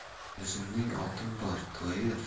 o'zimning otim bor toyir